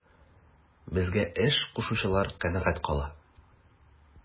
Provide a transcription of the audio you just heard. Безгә эш кушучылар канәгать кала.